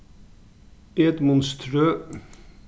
edmundstrøð